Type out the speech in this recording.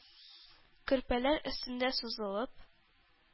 Көрпәләр өстендә сузылып,